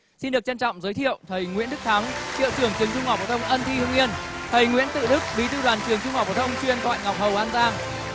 xin được trân trọng giới thiệu thầy nguyễn đức thắng hiệu trưởng trường trung học phổ thông ân thi hưng yên thầy nguyễn tự đức bí thư đoàn trường trung học phổ thông chuyên thoại ngọc hầu an giang